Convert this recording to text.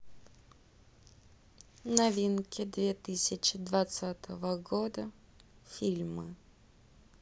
новинки две тысячи двадцатого года фильмы